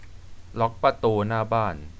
ล็อคประตูหน้าบ้าน